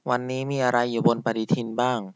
วันนี้มีอะไรอยู่บนปฎิทินบ้าง